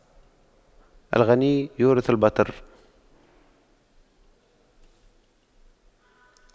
الغنى يورث البطر